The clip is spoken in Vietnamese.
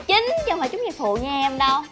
chứ không phải trúng vai phụ như em đâu